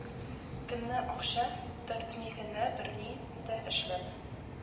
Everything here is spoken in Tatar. Көнне акча төртми генә берни дә эшләп